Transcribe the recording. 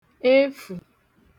efù